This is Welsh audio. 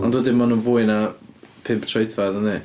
Ond wedyn ma' nhw fwy na pump troedfedd yndi?